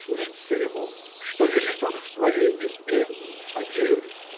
Снится ему, что лежит он в своей избе, один